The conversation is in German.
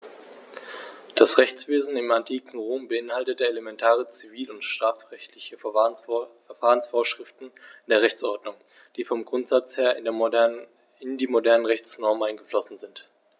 Das Rechtswesen im antiken Rom beinhaltete elementare zivil- und strafrechtliche Verfahrensvorschriften in der Rechtsordnung, die vom Grundsatz her in die modernen Rechtsnormen eingeflossen sind.